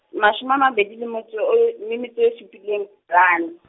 mashome a mabedi le metso o le metso e supe leng .